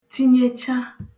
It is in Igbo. tinyecha